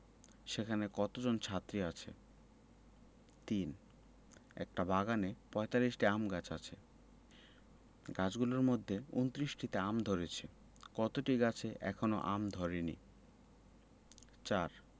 সেখানে কতজন ছাত্রী আছে ৩ একটি বাগানে ৪৫টি আম গাছ আছে গাছগুলোর মধ্যে ২৯টিতে আম ধরেছে কতটি গাছে এখনও আম ধরেনি ৪